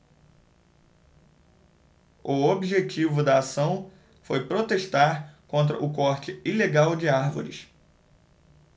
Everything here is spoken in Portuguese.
o objetivo da ação foi protestar contra o corte ilegal de árvores